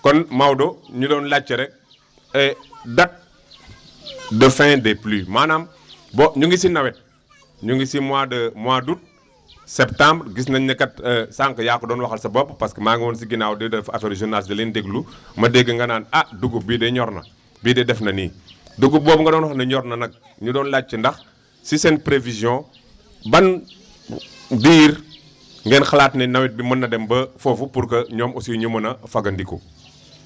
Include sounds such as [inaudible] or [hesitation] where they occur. kon Maodo ñu doon laajte rek [hesitation] date de fin des pluies maanaam boo ñu ngi si nawet ñu ngi si mois de mois d' aôut septembre gis nañu ne kat [hesitation] sànq yaa ko doon waxal sa bopp parce que maa ngi woon si ginnaaw di def affaire journaliste di leen dégmu [breath] ma dégg nga naan ah dugub bi de ñor na bii de def na nii dugub boobu nga doon wax ne ñor na nag ñu doon laajte ndax si seen prévision ban diir ngeen xalaat ne nawet bi mën na dem ba foofu pour que ñoom aussi ñu mën a fagandiku